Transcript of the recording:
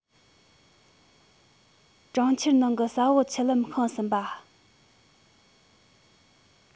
གྲོང ཁྱེར ནང གི ས འོག ཆུ ལམ བཤངས ཟིན པ